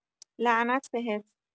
لعنت بهت